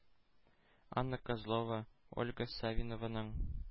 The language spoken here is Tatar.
Анна Козлова, Ольга Савинованың